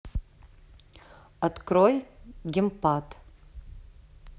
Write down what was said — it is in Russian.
открой гемпад